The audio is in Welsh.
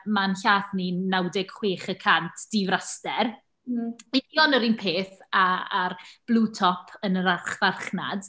Ma' ein llaeth ni'n naw deg chwech y cant difraster, union yr un peth a a'r blue top yn yr archfarchnad.